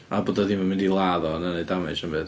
A bod o ddim yn mynd i ladd o, na wneud damage na dim byd.